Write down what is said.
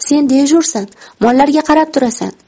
sen dejursan mollarga qarab turasan